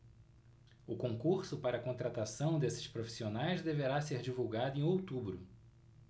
o concurso para contratação desses profissionais deverá ser divulgado em outubro